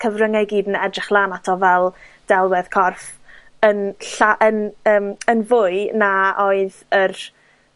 cyfryngau gyd yn edrych lan ato fel delwedd corff, yn lla- yn yym yn fwy na oedd yr